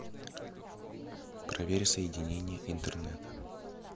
проверь соединение интернета